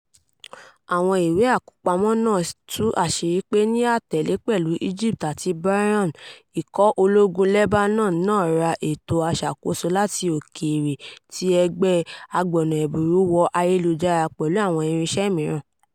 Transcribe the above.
Àwọn ìwé àkópamọ́ náà tú àṣírí pé ní àtẹ̀lé pẹ̀lú Egypt àti Bahrain, ikọ̀ Ológun Lebanon náà ra Ètò Aṣàkóso láti Òkèèrè ti Ẹgbẹ́ Agbọ̀nàẹ̀bùrú-wọ-ayélujára, pẹ̀lú àwọn irinṣẹ́ mìíràn.